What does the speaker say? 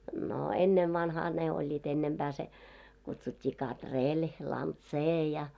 no ennen vanhaan ne olivat ennempää se kutsuttiin katrilli lantsee ja